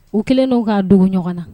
U kelen don k'a dogo ɲɔgɔn na